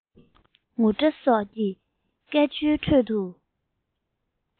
ངུ སྒྲ སོགས ཀྱི སྐད ཅོའི ཁྲོད དུ